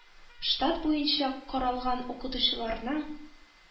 Штат буенча каралган укытучыларның